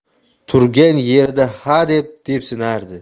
turgan yerida hadeb depsinardi